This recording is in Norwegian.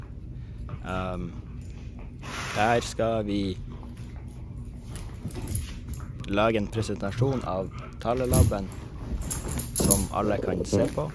Der skal vi lage en presentasjon av tale-laben som alle kan se på.